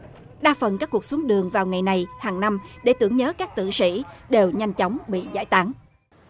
đa phần các cuộc xuống đường vào ngày này hằng năm để tưởng nhớ các tử sĩ đều nhanh chóng bị giải tán